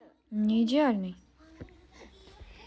неидеальный